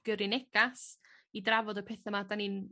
...gyrru negas i drafod y petha 'ma 'dan ni'n